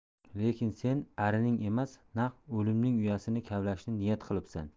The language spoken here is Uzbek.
lekin sen arining emas naq o'limning uyasini kavlashni niyat qilibsan